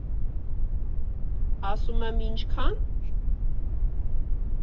Ասում եմ՝ ինչքա՞ն։